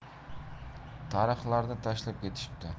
tarhlarni tashlab ketishibdi